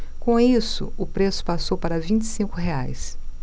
com isso o preço passou para vinte e cinco reais